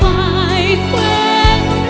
em